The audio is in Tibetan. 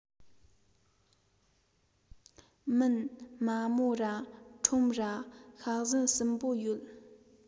མིན མ མོ ར ཁྲོམ ར ཤ བཟན གསུམ པོ ཡོད